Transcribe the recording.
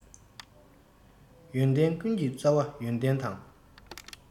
ཡོན ཏན ཀུན གྱི རྩ བ ཡོན ཏན དང